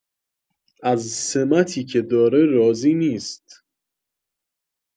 از سمتی که داره راضی نیست